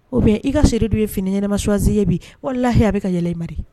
Oubien i ka chérie du ye fini ɲɛnama choisi ye bi walahi a bɛ ka yɛlɛ i ma.